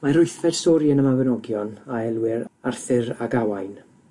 Mae'r wythfed stori yn y Mabinogion a elwir Arthur a Gawain